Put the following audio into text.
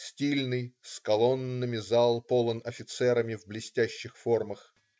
Стильный, с колоннами зал полон офицерами в блестящих формах.